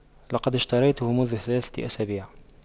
لقد اشتريته منذ ثلاثة أسابيع